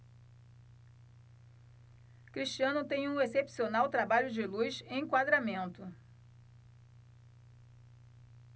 cristiano tem um excepcional trabalho de luz e enquadramento